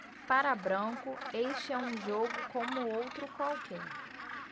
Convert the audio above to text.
para branco este é um jogo como outro qualquer